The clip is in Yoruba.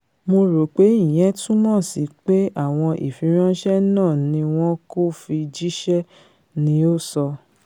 Mó ròpé ìyẹn túmọ̀sí pé àwọn ìfirańṣẹ́ náà ni wọn kò fi jíṣẹ́,'' ni ó sọ.